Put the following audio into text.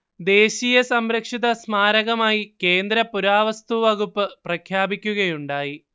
ദേശീയ സംരക്ഷിതസ്മാരകമായി കേന്ദ്ര പുരാവസ്തുവകുപ്പ് പ്രഖ്യാപിക്കുകയുണ്ടായി